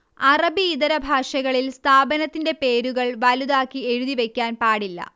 അറബിയിതര ഭാഷകളിൽ സ്ഥാപനത്തിന്റെ പേരുകൾ വലുതാക്കി എഴുതി വെക്കാൻ പാടില്ല